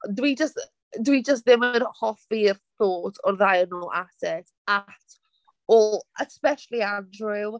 Dwi jyst... Dwi jyst ddim yn hoffi'r thought o'r ddau ohonyn nhw at it at all especially Andrew.